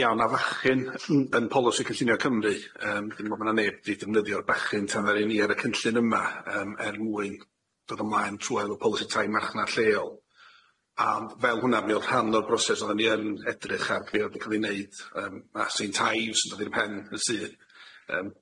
Ia o' na fachyn n- yn polisi cynllunio Cymru yym dwi'n meddwl ma' na neb wedi defnyddio'r bachyn tan ddaru ni ar y cynllun yma yym er mwyn dod o mlaen trwel y polisi tai marchnad lleol ond fel hwnna mi o'dd rhan o'r broses oddan ni yn edrych ar be odd yn gael i neud yym a Saint Ives yn dod i'r pen yn sydd yym.